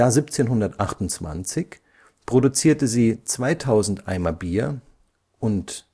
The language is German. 1728 produzierte sie 2000 Eimer Bier und